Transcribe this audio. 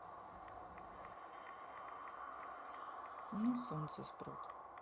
у нас солнце спрут